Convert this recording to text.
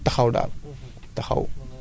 mais daal ñu ñaan ñu wax ne daal